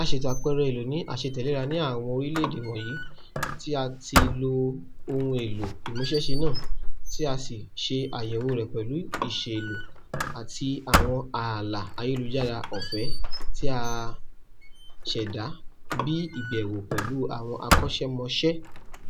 A ṣètò àpẹẹrẹ ìlò ní àṣetẹ̀léra ní àwọn orílẹ̀-èdè wọ̀nyìí tí a ti lo ohun èlò ìmúṣẹ́ṣe náà tí a sì ṣe àyẹ̀wò rẹ̀ pẹ̀lú ìṣeélò àti àwọn ààlà ayélujára ọ̀fẹ́ tí a ṣẹ̀dá ní ìbẹ̀wò pẹ̀lú àwọn akọ́ṣẹ́mọṣẹ́